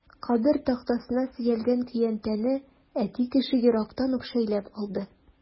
Кабер тактасына сөялгән көянтәне әти кеше ерактан ук шәйләп алды.